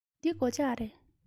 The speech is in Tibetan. འདི སྒོ ལྕགས རེད